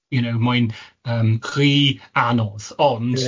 you know mae'n yym rhy anodd ond... Ie.